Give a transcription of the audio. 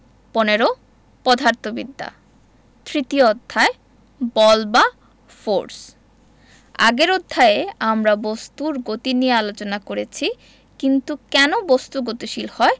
১৫ পদার্থবিদ্যা তৃতীয় অধ্যায় বল বা ফোরস আগের অধ্যায়ে আমরা বস্তুর গতি নিয়ে আলোচনা করেছি কিন্তু কেন বস্তু গতিশীল হয়